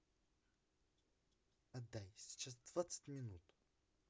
отдай сейчас двадцать минут